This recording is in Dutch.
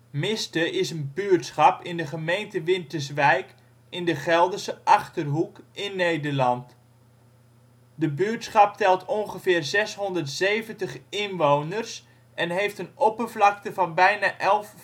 Miste is een buurtschap in de gemeente Winterswijk, in de Gelderse Achterhoek, in Nederland. De buurtschap telt ongeveer 670 inwoners en heeft een oppervlakte van bijna 11